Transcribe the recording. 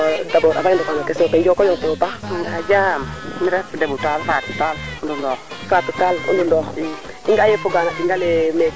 xa a koy refe cono mat wax deg yam ka i soorale ano yo teno inoxa yaxalu ke i ,mbarna njal ngaroyo ɗingale ngara ndingale mbato ngaad mbina egali ke i ndiala maaga